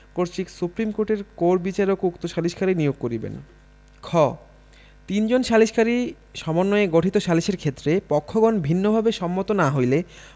কর্তৃক সুপ্রীম কোর্টের কোর বিচারক উক্ত সালিসকারী নিয়োগ করিবেন খ তিনজন সালিসকারী সমন্বয়ে গঠিত সালিসের ক্ষেত্রে পক্ষগণ ভিন্নভাবে সম্মত না হইলে